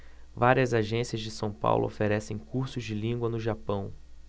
várias agências de são paulo oferecem cursos de língua no japão